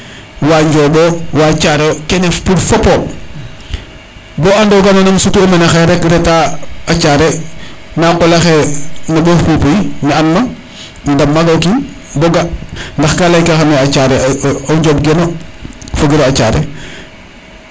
wa Ndiomb o wa THiare yo kene pour fopo bo ando ga nona um sutu mene xaye rek reta a Thiare na xa qola xe no Mbof Poupouy me an ma im dam maga o kiin bo ga ndax ka leyka xame a thiare o Ndiomb geno fo giro a Thiare